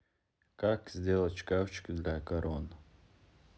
как сделать шкафчик для корон